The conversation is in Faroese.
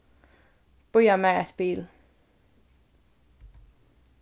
bíða mær eitt bil